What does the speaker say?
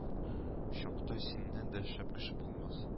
Чакта синнән дә шәп кеше булмас